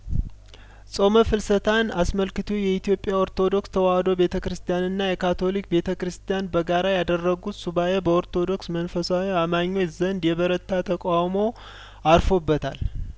ጾመ ፍልሰታን አስመልክቶ የኢትዮጵያ ኦርቶዶክስ ተዋህዶ ቤተ ክርስቲያንና የካቶሊክ ቤተ ክርስቲያን በጋራ ያደረጉት ሱባኤ በኦርቶዶክስ መንፈሳዊ አማኞች ዘንድ የበረታ ተቃውሞ አርፎ በታል